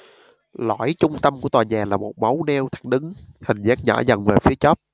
lõi trung tâm của tòa nhà là một mấu neo thẳng đứng hình dáng nhỏ dần về phía chóp